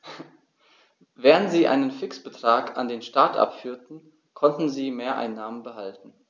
Während sie einen Fixbetrag an den Staat abführten, konnten sie Mehreinnahmen behalten.